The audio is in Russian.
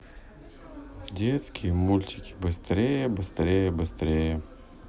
детские мультики быстрее быстрее быстрее